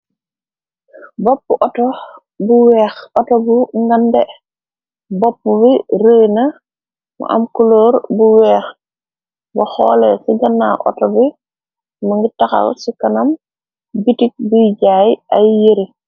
Bopp pu auto bu weex auto bu ngante bopp bi rëyna mu am kuloor bu weex ba xoole ci ganna outo bi mangi taxaw ci kanam bitik buy jaay ay yëri.